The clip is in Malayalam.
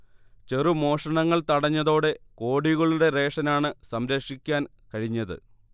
ചെറുമോഷണങ്ങൾ തടഞ്ഞതോടെ കോടികളുടെ റേഷനാണ് സംരക്ഷിക്കാൻ കഴിഞ്ഞത്